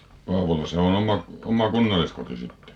Paavolassa on oma oma kunnalliskoti sitten